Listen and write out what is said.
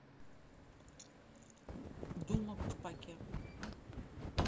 дума ковпаке